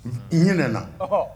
Unhun i ɲɛnana ɔhɔɔ